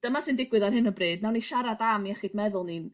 dyma sy'n digwydd ar hyn o bryd nawn ni siarad am iechyd meddwl ni'n